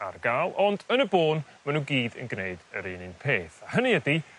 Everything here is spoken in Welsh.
ar ga'l ond yn y bôn ma' n'w gyd yn gneud yr un un peth a hynny ydi